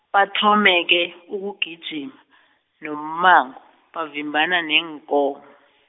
bathome ke ukugijima , nommango, bavimbana neenko- .